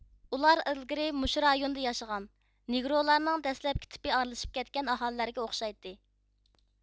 ئۇلار ئىلگىرى مۇشۇ رايوندا ياشىغان نېگرولارنىڭ دەسلەپكى تىپى ئارىلىشىپ كەتكەن ئاھالىلەرگە ئوخشايتتى